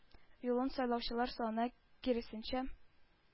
Юлын сайлаучылар саны, киресенчә,